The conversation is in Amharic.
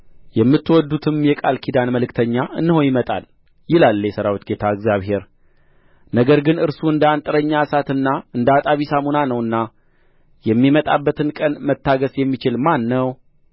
የምትወዱትም የቃል ኪዳን መልእክተኛ እነሆ ይመጣል ይላል የሠራዊት ጌታ እግዚአብሔር ነገር ግን እርሱ እንደ አንጥረኛ እሳትና እንደ አጣቢ ሳሙና ነውና የሚመጣበትን ቀን መታገሥ የሚችል ማን ነው